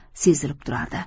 sezilib turardi